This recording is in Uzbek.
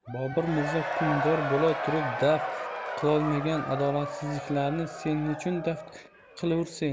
bobur mirzo hukmdor bo'la turib daf qilolmagan adolatsizliklarni sen nechun daf qilursen